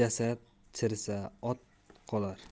jasad chirisa ot qolar